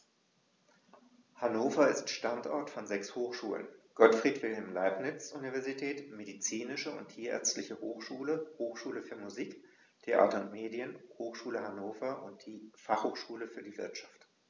Hannover ist Standort von sechs Hochschulen: Gottfried Wilhelm Leibniz Universität, Medizinische und Tierärztliche Hochschule, Hochschule für Musik, Theater und Medien, Hochschule Hannover und die Fachhochschule für die Wirtschaft.